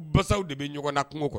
Basaw de bɛ ɲɔgɔnna kungo kɔnɔ